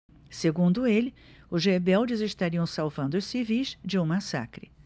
segundo ele os rebeldes estariam salvando os civis de um massacre